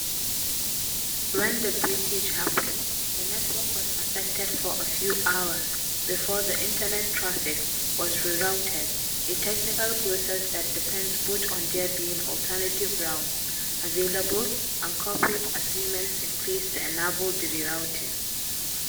When the breakages happened, the network was affected for a few hours before the internet traffic was rerouted; a technical process that depends both on there being alternative routes available and corporate agreements in place to enable the rerouting.